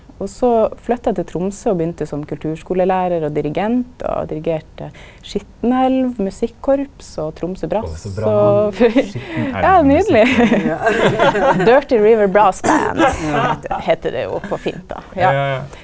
og så flytta eg til Tromsø og begynte som kulturskulelærar og dirigent og dirigerte Skittenelv musikkorps og Tromsø brass og ja nydeleg Dirty River Brassband heiter det jo på fint då ja.